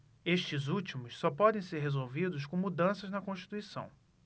estes últimos só podem ser resolvidos com mudanças na constituição